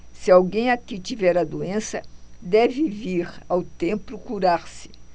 se alguém aqui tiver a doença deve vir ao templo curar-se